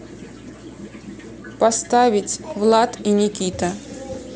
поставить влад и никита